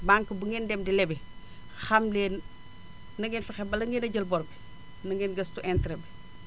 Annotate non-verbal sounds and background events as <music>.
banque bu ngeen dem di lebi xam leen na ngeen fexe ba la ngeen a jël bor na ngeen gëstu <noise> interet ba